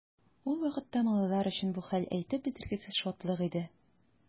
Ул вакытта малайлар өчен бу хәл әйтеп бетергесез шатлык иде.